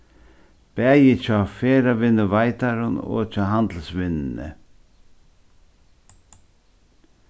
bæði hjá ferðavinnuveitarum og hjá handilsvinnuni